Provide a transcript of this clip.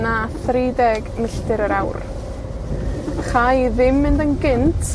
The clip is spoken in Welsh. na thri deg milltir yr awr. Cha i ddim mynd yn gynt